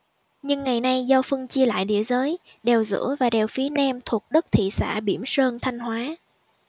nhưng ngày nay do phân chia lại địa giới đèo giữa và đèo phía nam thuộc đất thị xã bỉm sơn thanh hóa